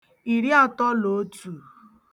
ìri àtọ là otù